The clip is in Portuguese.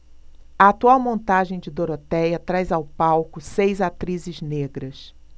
a atual montagem de dorotéia traz ao palco seis atrizes negras